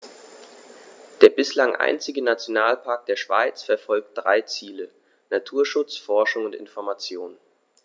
Der bislang einzige Nationalpark der Schweiz verfolgt drei Ziele: Naturschutz, Forschung und Information.